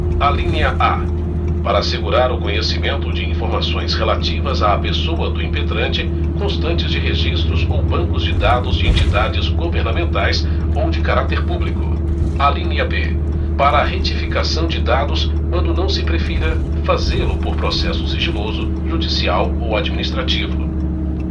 alínea a para assegurar o conhecimento de informações relativas à pessoa do impetrante constantes de registros ou bancos de dados de entidades governamentais ou de caráter público alínea b para a retificação de dados quando não se prefira fazê lo por processo sigiloso judicial ou administrativo